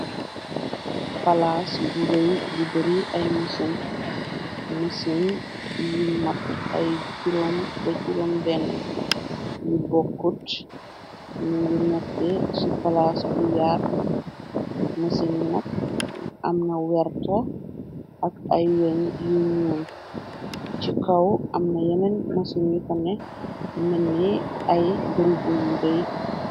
Palas bu rëy bu bari ay mësin, mësin yu mat ay b juróom, ba jurom benna yi bokkut ñi ngi ngir nekkè su palas bu yaatu mësin yi nak am na werta ak ay weñ yu ñuul ci kaw am na yenen mësin yi fane melni ay bari go yu rëy.